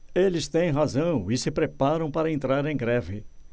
eles têm razão e se preparam para entrar em greve